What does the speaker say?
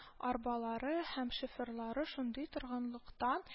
Арбалары һәм, шоферлары шунда торганлыктан